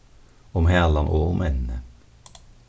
um halan og um ennið